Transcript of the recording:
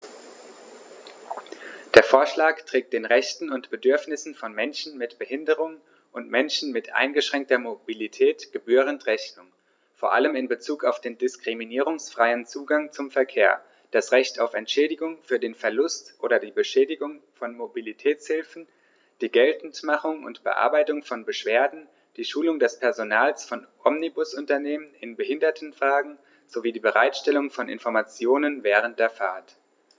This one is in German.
Der Vorschlag trägt den Rechten und Bedürfnissen von Menschen mit Behinderung und Menschen mit eingeschränkter Mobilität gebührend Rechnung, vor allem in Bezug auf den diskriminierungsfreien Zugang zum Verkehr, das Recht auf Entschädigung für den Verlust oder die Beschädigung von Mobilitätshilfen, die Geltendmachung und Bearbeitung von Beschwerden, die Schulung des Personals von Omnibusunternehmen in Behindertenfragen sowie die Bereitstellung von Informationen während der Fahrt.